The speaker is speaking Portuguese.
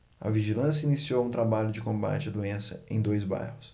a vigilância iniciou um trabalho de combate à doença em dois bairros